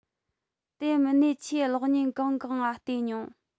དེ མིན ནས ཁྱོས གློག བརྙན གང གང ང བལྟས མྱོང